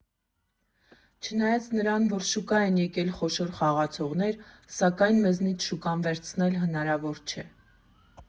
Չնայած նրան, որ շուկա են եկել խոշոր խաղացողներ, սակայն մեզնից շուկան վերցնել հնարավոր չէ։